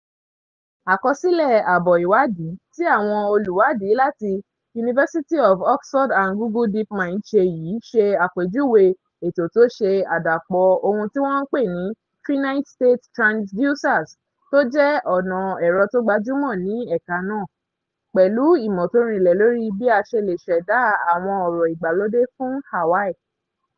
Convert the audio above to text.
Àkọsílẹ̀ àbọ̀ ìwádìí tí àwọn olùwádìí láti University of Oxford and Google Deep Mind ṣe yìí, ṣe àpèjúwe ètò tó ṣe àdàpọ̀ ohun tí wọ́n ń pè ní “finite state transducers”, tó jẹ́ ọ̀nà ẹ̀rọ tó gbajúmọ̀ ní ẹ̀ka nàá, pẹ̀lú ìmọ̀ tó rinlẹ̀ lóri bí a ṣe lè ṣẹ̀da àwọn ọ̀rọ̀ ìgbàlódé fún Hawaii.